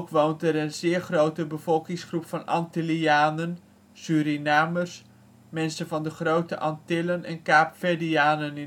woont er een zeer grote bevolkingsgroep van Antillianen, Surinamers, mensen van de Grote Antillen en Kaap-Verdianen